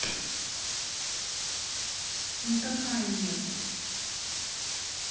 никакая нету